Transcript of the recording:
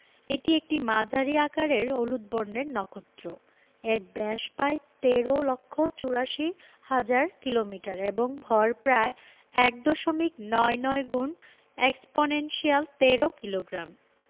এটি একটি মাঝারি আকারের হলুদ বর্ণের নক্ষত্র এর ব্যাস প্রায় ১৩ লক্ষ ৮৪ হাজার কিলোমিটার এবং ভর প্রায় এক দশমিক নয় নয় গুন এক্সপনেনশিয়াল ১৩ কিলোগ্রাম